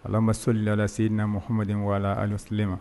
Ala ma solilala se n'a ma hamaden wala alisi ma